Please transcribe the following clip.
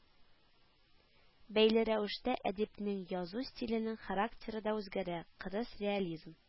Бәйле рәвештә әдипнең язу стиленең характеры да үзгәрә: кырыс реализм,